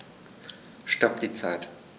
Stopp die Zeit